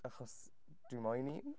Achos dwi moyn un.